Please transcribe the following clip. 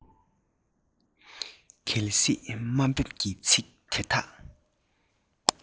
གལ སྲིད དམའ འབེབས ཀྱི ཚིག དེ དག